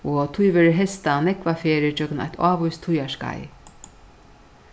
og tí verður heystað nógvar ferðir gjøgnum eitt ávíst tíðarskeið